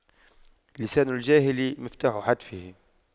لسان الجاهل مفتاح حتفه